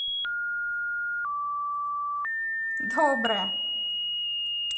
добрая